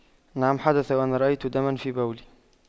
نعم حدث وأن رأيت دما في بولي